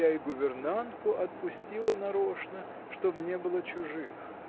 Я и гувернантку отпустила нарочно, чтоб не было чужих.